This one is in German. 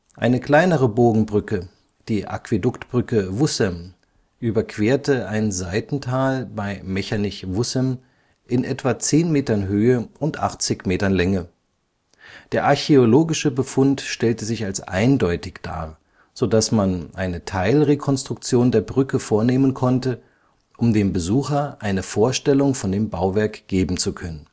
Eine kleinere Bogenbrücke, die Aquäduktbrücke Vussem, überquerte ein Seitental bei Mechernich-Vussem in etwa 10 Metern Höhe und 80 Metern Länge. Der archäologische Befund stellte sich als eindeutig dar, so dass man eine Teilrekonstruktion der Brücke vornehmen konnte, um dem Besucher eine Vorstellung von dem Bauwerk geben zu können